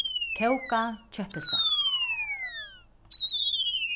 kókað kjøtpylsa